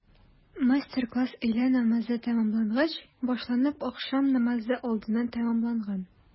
Мастер-класс өйлә намазы тәмамлангач башланып, ахшам намазы алдыннан тәмамланган.